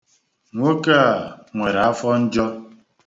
Nwoke a nwere afọ njọ.